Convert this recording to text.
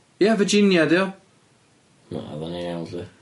Ie, Virginia ydi o. Na, o'dd ynny'n iawn 'lly.